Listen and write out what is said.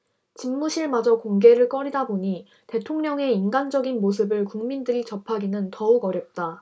집무실마저 공개를 꺼리다 보니 대통령의 인간적인 모습을 국민들이 접하기는 더욱 어렵다